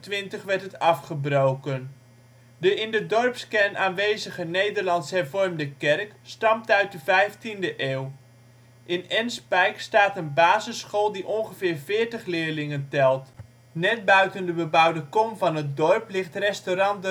1828 werd het afgebroken. De in de dorpskern aanwezige Nederlands-hervormde kerk stamt uit de vijftiende eeuw. In Enspijk staat een basisschool die ongeveer 40 leerlingen telt. Net buiten de bebouwde kom van het dorp ligt Restaurant